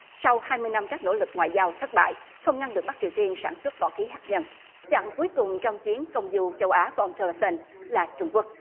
sau hai mươi năm các nỗ lực ngoại giao thất bại không ngăn được bắc triều tiên sản xuất vũ khí hạt nhân chặng cuối cùng trong chuyến công du châu á của ông tillerson là trung quốc